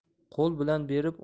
qo'l bilan berib